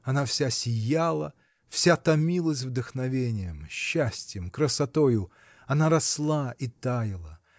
она вся сияла, вся томилась вдохновением, счастьем, красотою, она росла и таяла